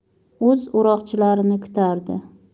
o'z o'roqchilarini kutardi